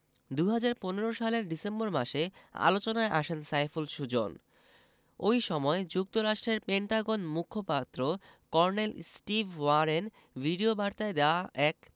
২০১৫ সালের ডিসেম্বর মাসে আলোচনায় আসেন সাইফুল সুজন ওই সময় যুক্তরাষ্ট্রের পেন্টাগন মুখপাত্র কর্নেল স্টিভ ওয়ারেন ভিডিওবার্তায় দেওয়া এক